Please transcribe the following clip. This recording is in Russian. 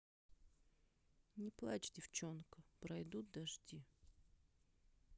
не плачь девченка проидут дожди